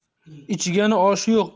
ichgani oshi yo'q